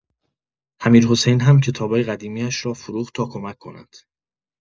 امیرحسین هم کتاب‌های قدیمی‌اش را فروخت تا کمک کند.